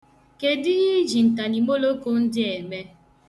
Kedụ ihe i ji ntaniimoloko ndị a eme ?